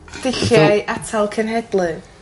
Dulliau atal cenhedlu.